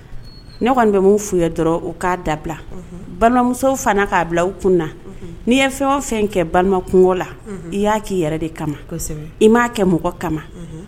Ne kɔni bɛ dɔrɔna da balimamuso fana'a bila u kun n'i ye fɛn fɛn kɛ balimakun la i'a'i yɛrɛ de kama i m'a kɛ mɔgɔ kama